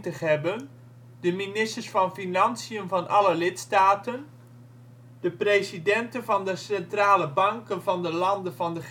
G20 hebben: de ministers van financiën van alle lidstaten, de presidenten van de centrale banken van de landen van de